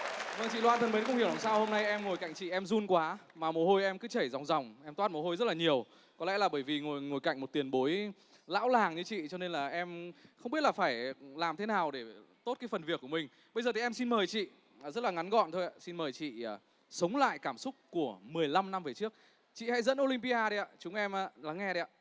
chị loan thân mến không hiểu sao hôm nay em ngồi cạnh chị em run quá mà mồ hôi em cứ chảy ròng ròng em toát mồ hôi rất là nhiều có lẽ là bởi vì ngồi ngồi cạnh một tiền bối lão làng như chị cho nên là em không biết là phải làm thế nào để tốt phần việc của mình bây giờ thì em xin mời chị rất là ngắn gọn thôi ạ xin mời chị sống lại cảm xúc của mười lăm năm về trước chị hãy dẫn ô lim bi a đi ạ chúng em lắng nghe đây ạ